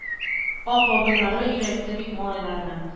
Ак бабайлары өйрәтте бит малайларны.